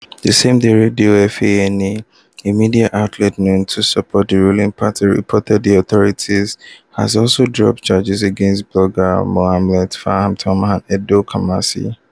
The same day Radio FANA, a media outlet known to support the ruling party, reported that authorities had also dropped charges against bloggers Mahlet Fantahun and Edom Kassaye.